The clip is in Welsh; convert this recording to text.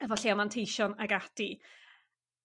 hefo llai o manteision ag ati.